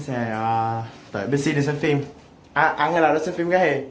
bây giờ là mình sẽ tới coopmart đi xem phim à ăn cái đã rồi xem phim ga hề